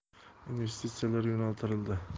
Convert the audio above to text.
investitsiyalar yo'naltirildi